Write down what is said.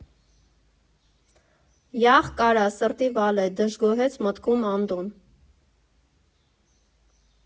«Յախք արա, սրտի վալետ, ֊ դժգոհեց մտքում Անդոն։